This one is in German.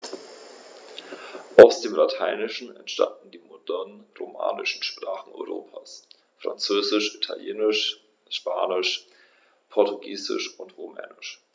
Aus dem Lateinischen entstanden die modernen „romanischen“ Sprachen Europas: Französisch, Italienisch, Spanisch, Portugiesisch und Rumänisch.